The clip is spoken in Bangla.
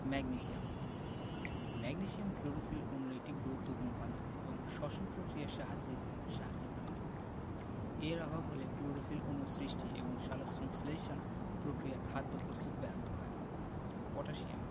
ম্যাগনেসিয়াম ম্যাগনেসিয়াম ক্লোরোফিল অণুর একটি গুরুত্বপুর্ণ উপাদান এবং শ্বসন প্রক্রিয়ায় সাহায্য করে এর অভাব হলে ক্লোরোফিল অণু সৃষ্টি এবং সালোকসংশ্লেষণ প্রক্রিয়ায় খাদ্য প্রস্তুত ব্যাহত হয় পটাশিয়াম